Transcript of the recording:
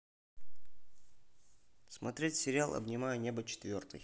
смотреть сериал обнимая небо четвертый